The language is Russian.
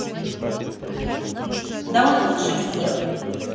да он лучше всех